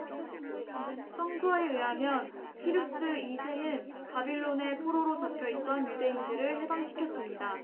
성서에 의하면 키루스 이 세는 바빌론에 포로로 잡혀 있던 유대인들을 해방시켰습니다